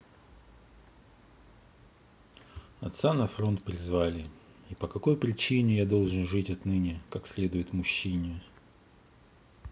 отца на фронт призвали и по какой причине я должен жить отныне как следует мужчине